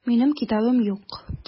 Минем китабым юк.